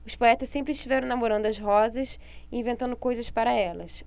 os poetas sempre estiveram namorando as rosas e inventando coisas para elas